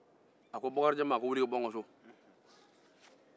a ko bakarijan ma ko wuli i ka bo n k so